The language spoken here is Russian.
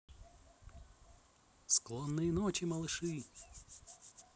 склонные ночи малыши